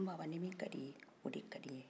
n baba ne min ka d'i ye o de ka di n ye